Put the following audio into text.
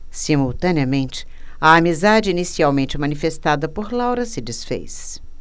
simultaneamente a amizade inicialmente manifestada por laura se disfez